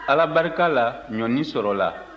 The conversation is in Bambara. ala barika la ɲɔnin sɔrɔla